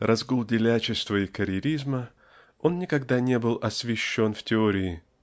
разгул делячества и карьеризма-- он никогда не был освящен в теории.